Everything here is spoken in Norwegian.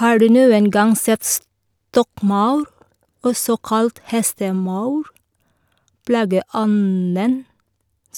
Har du noen gang sett stokkmaur, også kalt hestemaur, plageånden